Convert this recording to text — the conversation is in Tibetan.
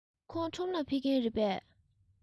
ཁོང ཁྲོམ ལ ཕེབས མཁན རེད པས